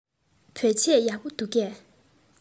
བོད ཆས ཡག པོ འདུག གས